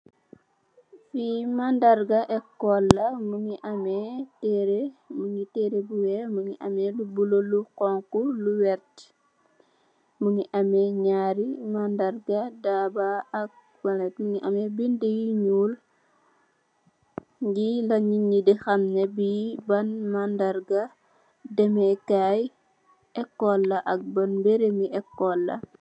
Fi mandarga ekol la mugii ameh teré bu wèèx mugii ameh lu bula lu werta mugii ameh ñaari mandarga daba ak balè mugii ameh bindi yu ñuul. Li la nit ñi di xam ne ban mandarga demèè kay ekol la ak ban barabi ekol la.